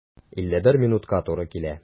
51 минутка туры килә.